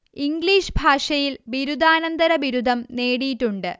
English ഭാഷയിൽ ബിരുദാനന്തര ബിരുദം നേടിയിട്ടുണ്ട്